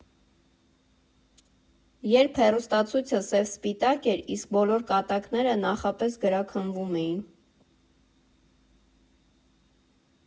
Երբ հեռուստացույցը սև֊սպիտակ էր, իսկ բոլոր կատակները նախապես գրաքննվում էին։